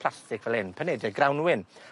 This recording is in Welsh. plastic fel 'yn. Paneude grawnwyn.